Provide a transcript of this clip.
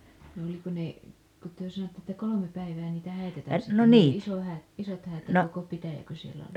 oliko ne kun te sanoitte että kolme päivää niitä häitä tanssittiin niin iso - isot häät koko pitäjäkö siellä oli